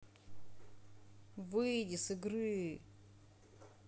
выйди с игры